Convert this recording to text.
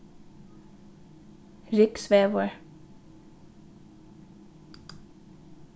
rygsvegur